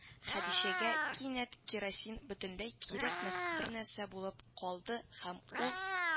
Хәдичәгә кинәт керосин бөтенләй кирәкмәс бернәрсә булып калды һәм ул: